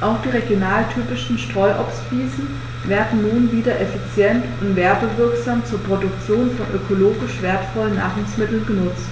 Auch die regionaltypischen Streuobstwiesen werden nun wieder effizient und werbewirksam zur Produktion von ökologisch wertvollen Nahrungsmitteln genutzt,